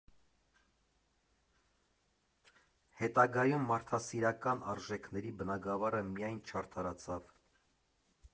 Հետագայում մարդասիրական արժեքների բնագավառը միայն չարդարացավ.